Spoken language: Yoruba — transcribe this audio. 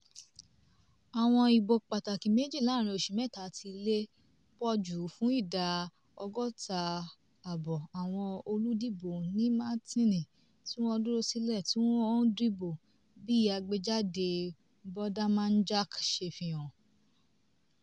Àwọn ìbò pàtàkì méjì láàárìn oṣù mẹ́ta ti lè pọ̀ jù fún ìda 55.55% àwọn oludìbò ní Martini tí wọ́n dúró sílé tí wọn ò dìbò, bí àgbéjáde Bondamanjak ṣe fi hàn.